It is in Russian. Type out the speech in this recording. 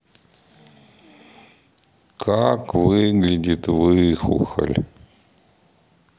как выглядит выхухоль